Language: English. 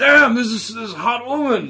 Damn there's this s- hot woman!